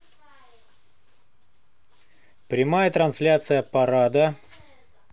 прямая трансляция парада